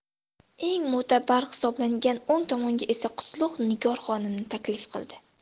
eng mo'tabar hisoblangan o'ng tomonga esa qutlug' nigor xonimni taklif qildi